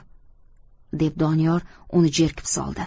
deb doniyor uni jerkib soldi